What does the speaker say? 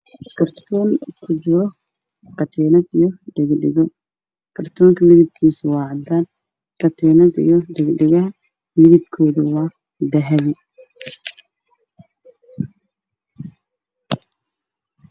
Karton kujiro katinad io dhego kartonka midabkis waa cadan katiinad waq dahbi